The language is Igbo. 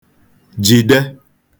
jìde